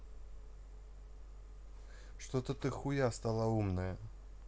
что ты хуя стало умная